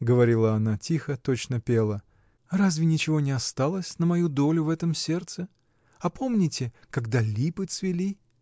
— говорила она тихо, точно пела, — разве ничего не осталось на мою долю в этом сердце? А помните, когда липы цвели?